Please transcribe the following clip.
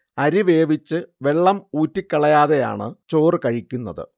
അരി വേവിച്ച് വെള്ളം ഊറ്റിക്കളയാതെയാണ് ചോറ് കഴിക്കുന്നത്